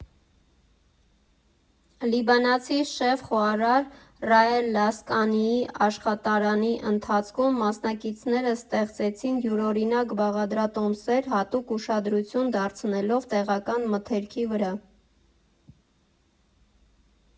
Լիբանանցի շեֆ խոհարար Ուաել Լազկանիի աշխատարանի ընթացքում մասնակիցները ստեղծեցին յուրօրինակ բաղադրատոմսեր՝ հատուկ ուշադրություն դարձնելով տեղական մթերքի վրա։